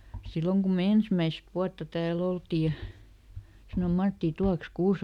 silloin kun me ensimmäistä vuotta täällä oltiin ja sanoi Matti tuotkos kuusen